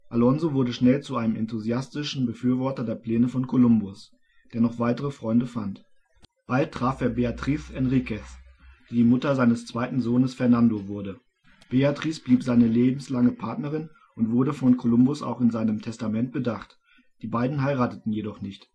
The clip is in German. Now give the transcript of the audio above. Alonso wurde schnell zu einem enthusiastischen Befürworter der Pläne von Kolumbus, der noch weitere Freunde fand. Bald traf er Beatriz Enriquez, die die Mutter seines zweiten Sohnes Fernando wurde. Beatriz blieb seine lebenslange Partnerin und wurde von Kolumbus auch in seinem Testament bedacht, die beiden heirateten jedoch nicht